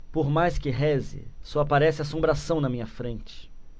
por mais que reze só aparece assombração na minha frente